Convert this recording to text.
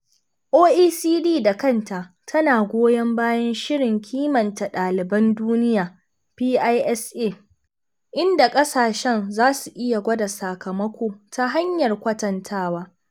OECD da kanta tana goyon bayan Shirin Kimanta Ɗaliban Duniya (PISA), inda ƙasashen za su iya gwada sakamako ta hanyar kwatantawa.